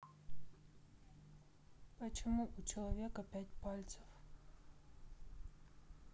почему у человека пять пальцев